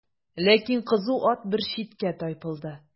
Ләкин кызу ат бер читкә тайпылды.